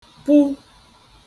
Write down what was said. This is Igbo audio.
pu